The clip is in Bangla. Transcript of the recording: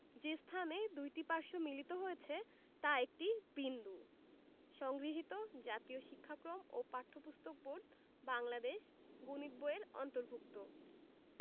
যে স্থানে দুইটি পার্শ্ব মিলিত হয়েছে তা একটি বিন্দু সংগৃহীত জাতীয় শিক্ষাক্রম ও পাঠ্যপুস্তক বোর্ড বাংলাদেশ গণিত বই-এর অন্তর্ভুক্ত